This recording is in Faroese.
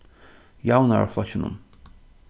javnaðarflokkinum